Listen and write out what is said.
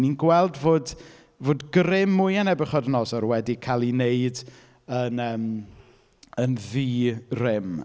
Ni'n gweld fod fod grym mwya Nebiwchodynosor wedi cael ei wneud yn, yym, yn ddi-rym.